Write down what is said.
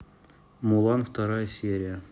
мулан вторая серия